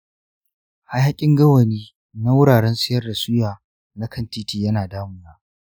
hayaƙin gawayi na wuraren siyar da suya na kan titi yana damuna.